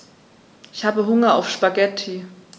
Ich habe Hunger auf Spaghetti.